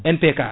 MPK